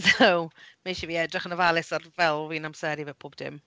So mae isie i fi edrych yn ofalus ar fel fi'n amseru fe, pob dim.